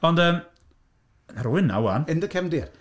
Ond yym. O' 'na rywun 'na 'wan... In the cefndir.